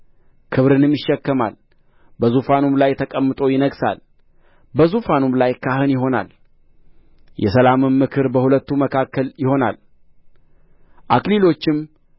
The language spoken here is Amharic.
ክብርንም ይሸከማል በዙፋኑም ላይ ተቀምጦ ይነግሣል በዙፋኑም ላይ ካህን ይሆናል የሰላምም ምክር በሁለቱ መካከል ይሆናል አክሊሎችም